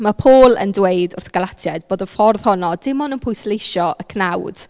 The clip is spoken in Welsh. Ma' Paul yn dweud wrth y Galatiaid bod y ffordd honno dim ond yn pwysleisio y cnawd.